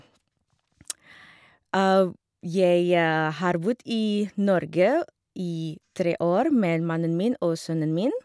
Jeg har bodd i Norge i tre år med mannen min og sønnen min.